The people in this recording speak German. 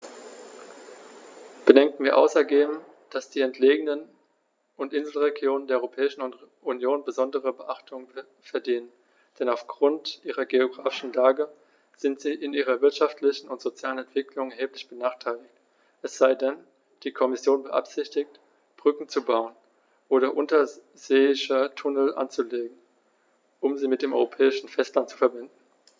Bedenken wir außerdem, dass die entlegenen und Inselregionen der Europäischen Union besondere Beachtung verdienen, denn auf Grund ihrer geographischen Lage sind sie in ihrer wirtschaftlichen und sozialen Entwicklung erheblich benachteiligt - es sei denn, die Kommission beabsichtigt, Brücken zu bauen oder unterseeische Tunnel anzulegen, um sie mit dem europäischen Festland zu verbinden.